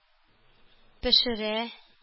Пешерә